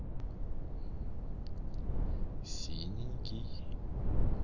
синенький